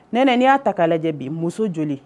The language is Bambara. Nɛnɛ n y'a ta' lajɛ bin muso joli